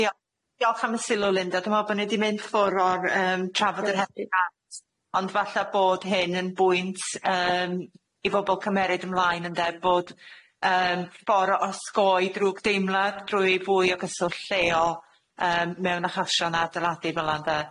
Diol- diolch am y sylw Linda dwi me'wl bo' ni di mynd ffwr' o'r yym trafod yr hefyd at ond falla bod hyn yn bwynt yym i bobol cymeryd ymlaen ynde bod yym ffor' o osgoi drwg deimlad drwy fwy o gyswllt lleol yym mewn achosion adeiladu fela'n de.